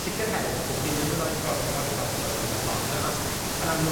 sicirhewch bo' chi ddim yn roid gormod o gompost yn y pot, achos, y'n amlwg